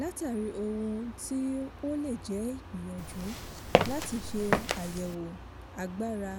Látààrí ohun tí ó lè jẹ́ ìgbìyànjú láti ṣe àyẹ̀wò agbára